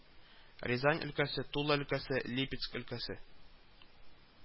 Рязань өлкәсе, Тула өлкәсе, Липецк өлкәсе